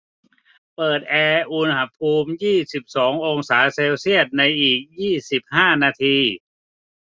เปิดแอร์อุณหภูมิยี่สิบสององศาเซลเซียสในอีกยี่สิบห้านาที